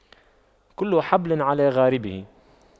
كل حبل على غاربه